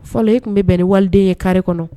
Fɔlɔ e tun bɛ bɛn nin waleden ye kari kɔnɔ